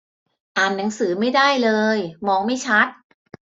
อ่านหนังสือไม่ได้เลยมองไม่ชัด